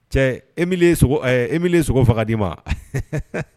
Cɛ e e sogo faga d'i ma